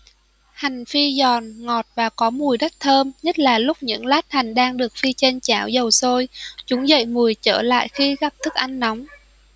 hành phi giòn ngọt và có mùi rất thơm nhất là lúc những lát hành đang được phi trên chảo dầu sôi chúng dậy mùi trở lại khi gặp thức ăn nóng